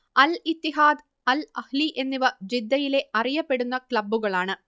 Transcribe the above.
അൽ Ittihad Al Ahli എന്നിവ ജിദ്ദയിലെ അറിയപ്പെടുന്ന ക്ലബ്ബുകളാണ്